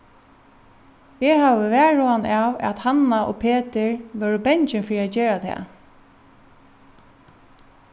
eg havi varhugan av at hanna og petur vóru bangin fyri at gera tað